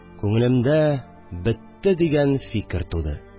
Күңелемдә «бетте» дигән фикер туды